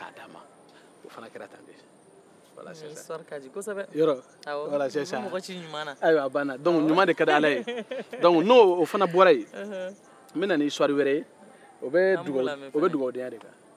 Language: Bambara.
a bɛ mɔgɔ ci ɲuman na n'o fana bɔra yen n bɛna ni isuwari wɛrɛ ye o bɛ dugawudenya de kan ala ka an bɛɛ kɛ dugawuden ye